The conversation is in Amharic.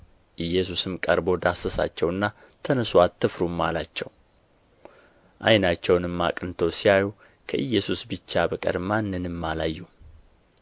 ኢየሱስም ቀርቦ ዳሰሳቸውና ተነሡ አትፍሩም አላቸው ዓይናቸውንም አቅንተው ሲያዩ ከኢየሱስ ብቻ በቀር ማንንም አላዩም